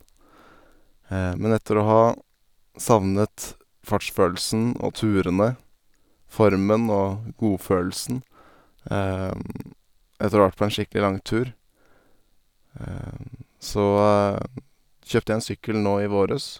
Men etter å ha savnet fartsfølelsen og turene, formen og godfølelsen etter å ha vært på en skikkelig lang tur, så kjøpte jeg en sykkel nå i våres.